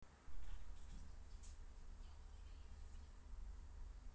очень себя люблю